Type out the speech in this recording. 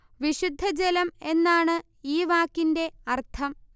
വിശുദ്ധ ജലം എന്നാണ് ഈ വാക്കിന്റെ അർത്ഥം